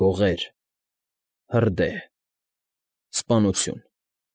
Գողե՜ր… Հրդե՜հ… Սպանությո՛ւն։